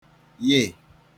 ye